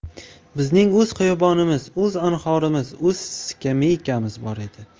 bizning o'z xiyobonimiz o'z anhorimiz o'z skameykamiz bor edi